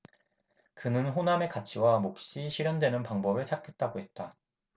그는 호남의 가치와 몫이 실현되는 방법을 찾겠다고 했다